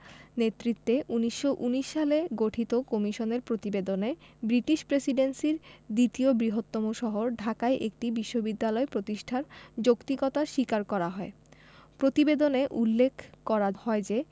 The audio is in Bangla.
নেতৃত্বে ১৯১৯ সালে গঠিত কমিশনের প্রতিবেদনে ব্রিটিশ প্রেসিডেন্সির দ্বিতীয় বৃহত্তম শহর ঢাকায় একটি বিশ্ববিদ্যালয় প্রতিষ্ঠার যৌক্তিকতা স্বীকার করা হয় প্রতিবেদনে উল্লেখ করা হয় যে